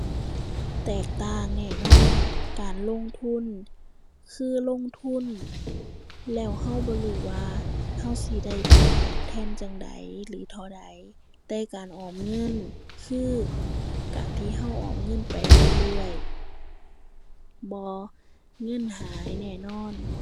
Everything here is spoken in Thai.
แตกต่างแน่นอน การลงทุนคือลงทุนแล้วเราบ่รู้ว่าเราสิได้ผลตอบแทนจั่งใด หรือเท่าใด แต่การออมเงินคือการที่เราออมเงินไปเรื่อยเรื่อยบ่เงินหายแน่นอน